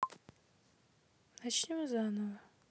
начнем заново